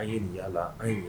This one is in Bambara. An ye ni y'ala